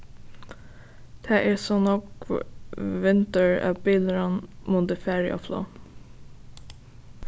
tað er so nógv vindur at bilurin mundi farið á flog